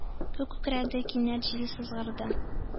Күк күкрәде кинәт, җил сызгырды,